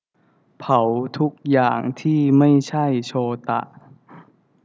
เผาทุกอย่างที่ไม่ใช่โชตะ